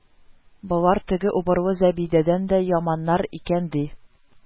Болар теге убырлы Зәбидәдән дә яманнар икән, ди